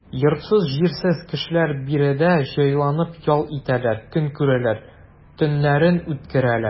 Йортсыз-җирсез кешеләр биредә җыйналып ял итәләр, көн күрәләр, төннәрен үткәрәләр.